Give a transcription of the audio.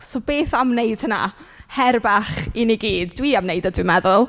So beth am wneud hynna? Her bach i ni i gyd. Dw i am wneud e dw i'n meddwl.